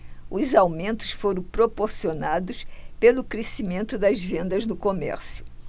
os aumentos foram proporcionados pelo crescimento das vendas no comércio